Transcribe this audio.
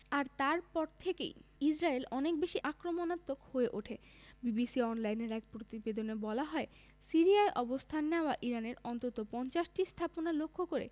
আর তারপর থেকেই ইসরায়েল অনেক বেশি আক্রমণাত্মক হয়ে ওঠে বিবিসি অনলাইনের এক প্রতিবেদনে বলা হয় সিরিয়ায় অবস্থান নেওয়া ইরানের অন্তত ৫০টি স্থাপনা লক্ষ্য করে